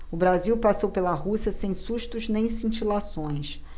o brasil passou pela rússia sem sustos nem cintilações